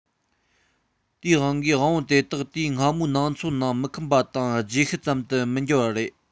དེའི དབང གིས དབང པོ དེ དག དུས སྔ མོའི ན ཚོད ནང མི ཁུམ པ དང རྗེས ཤུལ ཙམ དུ མི འགྱུར བ རེད